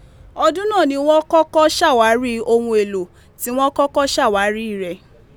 Ọdún náà ni wọ́n kọ́kọ́ ṣàwárí ohun èlò tí wọ́n kọ́kọ́ ṣàwárí rẹ̀.